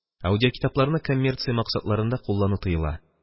Аудиокитапны коммерция максатларында куллану тыела